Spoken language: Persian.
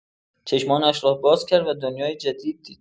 چشمانش را باز کرد و دنیایی جدید دید.